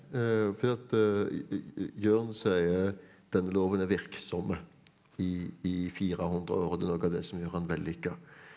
fordi at Jørn sier denne loven er virksom i i 400 år og det er noe av det som gjør han vellykka.